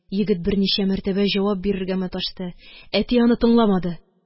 Егет берничә мәртәбә җавап бирергә маташты. Әти аны тыңламады.